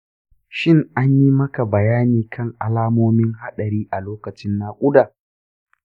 shin an yi maka bayani kan alamomin haɗari a lokacin nakuda?